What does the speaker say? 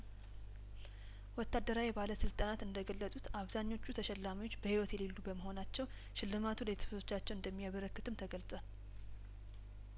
ወታደራዊ ባለስልጣናት እንደገለጹት አብዛኞቹ ተሸላሚዎች በህይወት የሌሉ በመሆናቸው ሽልማቱ ለቤተሰቦቻቸው እንደሚበረከትም ተገልጧል